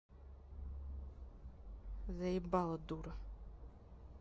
заебала дура